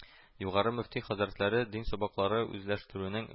Югары мөфти хәзрәтләре дин сабаклары үзләштерүнең